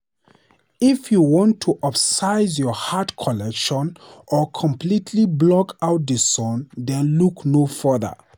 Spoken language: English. If you want to upsize your hat collection or completely block out the sun then look no further.